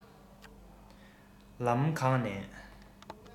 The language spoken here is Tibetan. ལམ གང ནས